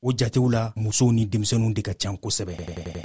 u jatew la muso ni denmisɛnw de ka ca kosɛbɛ